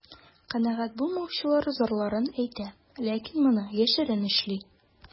Канәгать булмаучылар зарларын әйтә, ләкин моны яшерен эшли.